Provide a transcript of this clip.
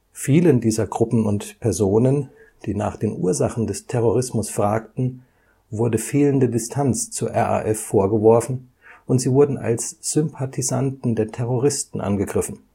Vielen dieser Gruppen und Personen, die nach den Ursachen des Terrorismus fragten, wurde fehlende Distanz zur RAF vorgeworfen und sie wurden als Sympathisanten der Terroristen angegriffen